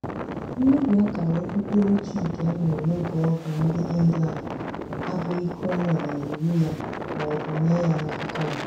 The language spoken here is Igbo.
Mmebi akara okpukperechi nke emere n’oge ọgụ ndị England abụghị Cromwell nyere iwu ya ma ọ bụ mee ya n’aka ya.